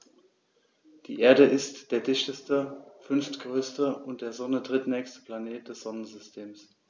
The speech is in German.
Die Erde ist der dichteste, fünftgrößte und der Sonne drittnächste Planet des Sonnensystems.